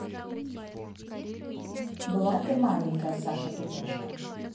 была ты маленькая саша тупяшка